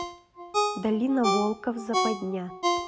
долина волков западня